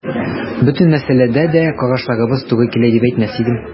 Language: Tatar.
Бөтен мәсьәләдә дә карашларыбыз туры килә дип әйтмәс идем.